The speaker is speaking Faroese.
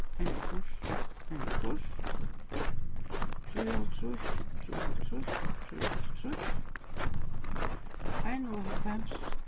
einogfýrs einogfýrs trýoghálvtrýss trýoghálvtrýss trýoghálvtrýss einoghálvfems